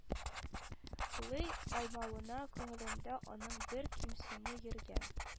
Лый алмавына күңелендә аның бер кимсенү йөргән